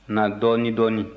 na dɔɔnin dɔɔnin